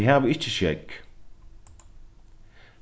eg havi ikki skegg